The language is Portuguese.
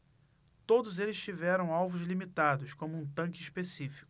todos eles tiveram alvos limitados como um tanque específico